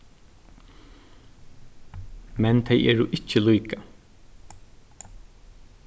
men tey eru ikki líka